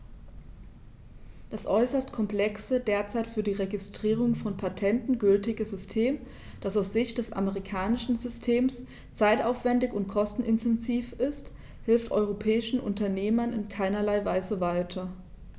Das äußerst komplexe, derzeit für die Registrierung von Patenten gültige System, das aus Sicht des amerikanischen Systems zeitaufwändig und kostenintensiv ist, hilft europäischen Unternehmern in keinerlei Weise weiter.